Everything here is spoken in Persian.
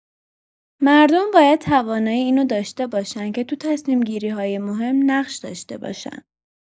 مردم باید تونایی اینو داشته باشن که تو تصمیم‌گیری‌های مهم نقش داشته باشن.